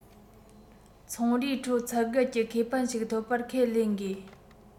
ཚོང རའི ཁྲོད ཚད བརྒལ གྱི ཁེ ཕན ཞིག ཐོབ པར ཁས ལེན དགོས